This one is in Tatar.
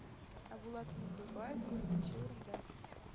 Ә булат миндубаев– дүртенче урында.